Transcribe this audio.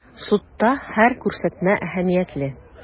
Судта һәр күрсәтмә әһәмиятле.